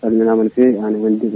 a salminama no fewi an e wondiɓe ma